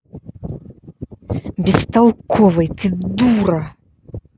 бестолковый ты дура